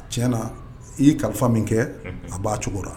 A ti na i' ye kalifa min kɛ a b'a cogo la